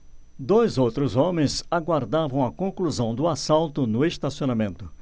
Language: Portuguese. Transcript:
dois outros homens aguardavam a conclusão do assalto no estacionamento